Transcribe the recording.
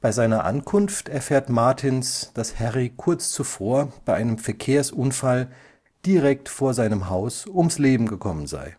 seiner Ankunft erfährt Martins, dass Harry kurz zuvor bei einem Verkehrsunfall direkt vor seinem Haus ums Leben gekommen sei